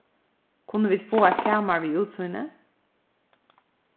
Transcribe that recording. kunnu vit fáa eitt kamar við útsýni